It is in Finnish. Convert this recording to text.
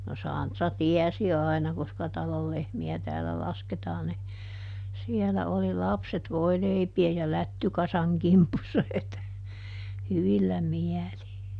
no Santra tiesi aina koska talon lehmiä täällä lasketaan niin siellä oli lapset voileipien ja lättykasan kimpussa heti hyvillä mielin